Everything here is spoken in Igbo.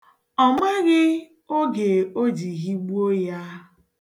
Ọ maghị oge o ji hịgbu o ya.